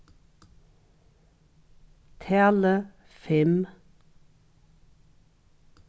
talið fimm